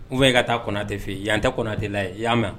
U ye ka taatɛ fɛ yen yanan tɛ kɔntɛ la y'a mɛn